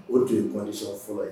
O de tun ye gdisɔn fɔlɔ ye